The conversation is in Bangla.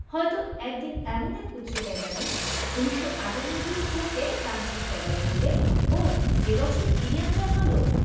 হয়তো একদিন এমন এক উচ্চতায় যাবেন ১৯৯৮ বলতে ফ্রান্সের সবাই বলবে ওহ্ যে বছর কিলিয়ান জন্মাল